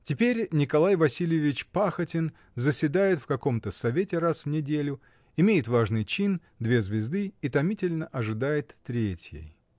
Теперь Николай Васильевич Пахотин заседает в каком-то совете раз в неделю, имеет важный чин, две звезды и томительно ожидает третьей.